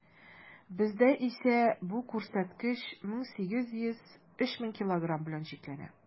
Бездә исә бу күрсәткеч 1800 - 3000 килограмм белән чикләнә.